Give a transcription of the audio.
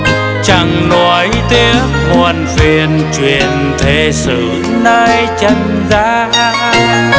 chẳng nuối tiếc muộn phiền chuyện thế sự nơi trần gian